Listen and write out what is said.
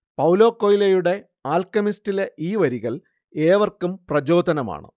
Paulo കൊയ്ലോയുടെ ആൽക്കെമിസ്റ്റിലെ ഈ വരികൾ ഏവർക്കും പ്രചോദനമാണ്